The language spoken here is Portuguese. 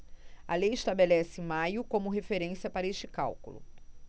a lei estabelece maio como referência para este cálculo